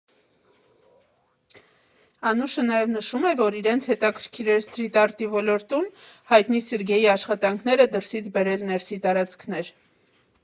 Անուշը նաև նշում է, որ իրենց հետաքրքիր էր սթրիթ արտի ոլորտում հայտնի Սերգեյի աշխատանքները դրսից բերել ներսի տարածքներ։